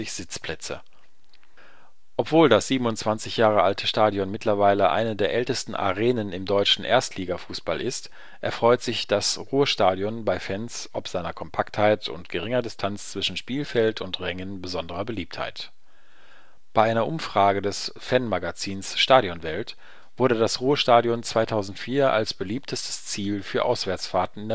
Sitzplätze. Obwohl das 27 Jahre alte Stadion mittlerweile eine der ältesten Arenen im deutschen Erstligafußball ist, erfreut sich das Ruhrstadion bei Fans ob seiner Kompaktheit und geringer Distanz zwischen Spielfeld und Rängen besonderer Beliebtheit. Bei einer Umfrage des Fanmagazins Stadionwelt wurde das Ruhrstadion 2004 als beliebtestes Ziel für Auswärtsfahrten